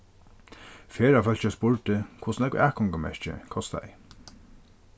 ferðafólkið spurdi hvussu nógv atgongumerkið kostaði